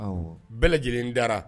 Bɛɛ lajɛlen da